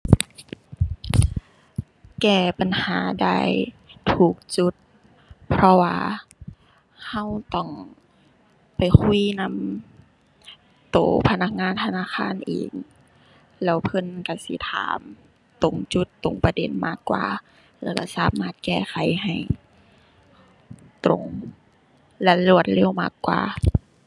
แก้ปัญหาได้ถูกจุด เพราะว่าเราต้องไปคุยนำเราพนักงานธนาคารเอง แล้วเพิ่นเราสิถามตรงจุดตรงประเด็นมากกว่า แล้วเราสามารถแก้ไขให้ตรงและรวดเร็วมากกว่า